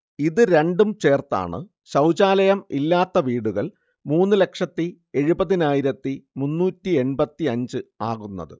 ഇതു രണ്ടും ചേർത്താണ് ശൗചാലയം ഇല്ലാത്ത വീടുകൾ മൂന്നുലക്ഷത്തിഎഴുപത്തിനായിരത്തിമുന്നൂറ്റിഎണ്‍പത്തിയഞ്ച് ആകുന്നത്